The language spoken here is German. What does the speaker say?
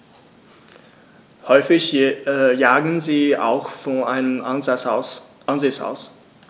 Häufig jagen sie auch von einem Ansitz aus.